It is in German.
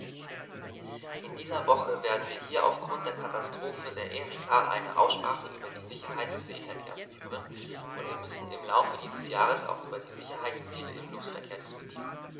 In dieser Woche werden wir hier aufgrund der Katastrophe der Erika eine Aussprache über die Sicherheit des Seeverkehrs führen, und wir müssen im Laufe dieses Jahres auch über die Sicherheitsziele im Luftverkehr diskutieren.